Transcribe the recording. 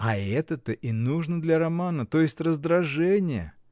— А это-то и нужно для романа, то есть раздражение.